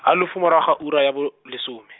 halofo morago ga ura ya bo, lesome.